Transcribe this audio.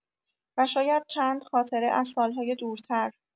و شاید چند خاطره از سال‌های دورتر.